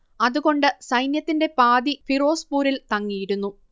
അതുകൊണ്ട് സൈന്യത്തിന്റെ പാതി ഫിറോസ്പൂരിൽ തങ്ങിയിരുന്നു